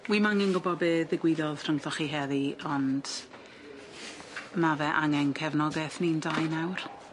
Wi'm angen gwbo be' ddigwyddodd rhwngthoch chi heddi ond ma' fe angen cefnogeth ni'n dau nawr.